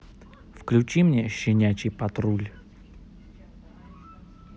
включи мне щенячий патруль